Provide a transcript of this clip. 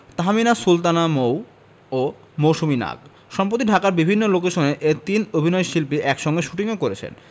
তাহমিনা সুলতানা মৌ ও মৌসুমী নাগ সম্প্রতি ঢাকার বিভিন্ন লোকেশনে এ তিন অভিনয়শিল্পী একসঙ্গে শুটিংও করেছেন